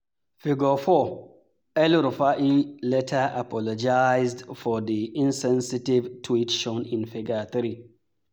Figure 4: El-Rufai later apologized for the “insensitive” tweet shown in Figure 3.